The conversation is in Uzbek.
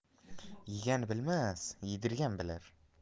yegan bilmas yedirgan bilar